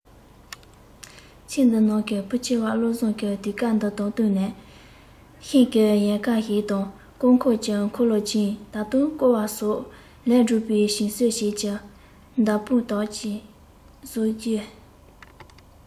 ཁྱིམ འདིའི ནང གི བུ ཆེ བ བློ བཟང གིས དུས སྐབས འདི དང བསྟུན ནས ཤིང གི ཡལ ག ཞིག དང རྐང འཁོར གྱི འཁོར ལོའི འགྱིག ད དུང ཀོ བ སོགས ལས གྲུབ པའི བྱིའུ གསོད བྱེད ཀྱི མདའ སྤུས དག ཅིག བཟོས རྗེས